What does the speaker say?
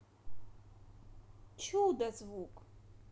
чудо звук